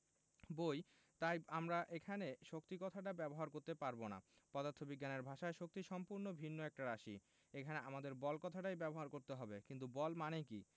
বই তাই আমরা এখানে শক্তি কথাটা ব্যবহার করতে পারব না পদার্থবিজ্ঞানের ভাষায় শক্তি সম্পূর্ণ ভিন্ন একটা রাশি এখানে আমাদের বল কথাটাই ব্যবহার করতে হবে কিন্তু বল মানে কী